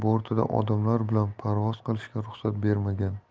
odamlar bilan parvoz qilishga ruxsat bermagan